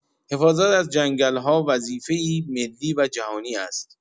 حفاظت از جنگل‌ها وظیفه‌ای ملی و جهانی است.